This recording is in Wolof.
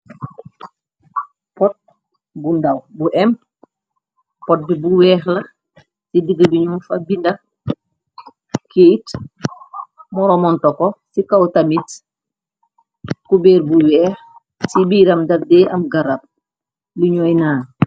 Pot bu ndaw bu em, pot bi bu weex la ci digg bi ñu fa binda keyit moromonto ko, ci kaw tamit kubeer bu weex, ci biiram daf dee am garab luñuy naan.